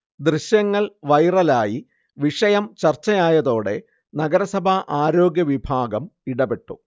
ദൃശ്യങ്ങൾ വൈറലായി വിഷയം ചർച്ചയായതോടെ നഗരസഭാ ആരോഗ്യവിഭാഗം ഇടപെട്ടു